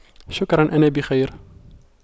شكرا انا بخير